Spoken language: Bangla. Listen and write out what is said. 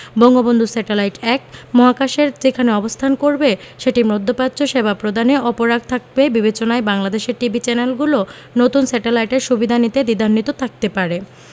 বঙ্গবন্ধু স্যাটেলাইট ১ মহাকাশের যেখানে অবস্থান করবে সেটি মধ্যপ্রাচ্য সেবা প্রদানে অপরাগ থাকবে বিবেচনায় বাংলাদেশের টিভি চ্যানেলগুলো নতুন স্যাটেলাইটের সুবিধা নিতে দ্বিধান্বিত থাকতে পারে